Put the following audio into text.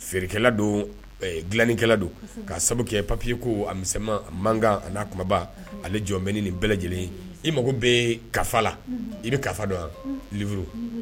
Feerekɛla don dilalikɛla don ka sababu kɛ papier ko a misɛman, a mankan n'a kunbaba ale jɔlen bɛ ni nin bɛɛ lajɛlen ye. Ka mago bɛ kafa la, i bɛ kafa dɔn wa? livre